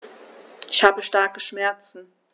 Ich habe starke Schmerzen.